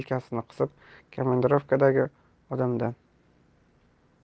niyoz yelkasini qisib komandirovkadagi odamman